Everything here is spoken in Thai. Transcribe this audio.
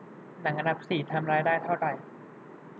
หนังอันดับสี่ทำรายได้เท่าไหร่